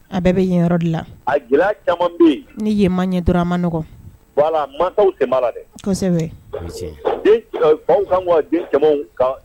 A bɛɛ bɛ yenyɔrɔ de la a gɛlɛya bi ni ye ma ɲɛ dɔrɔnurama n nɔgɔ ma tɛm la dɛ kosɛbɛ ka bɔ denja